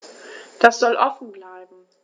Das soll offen bleiben.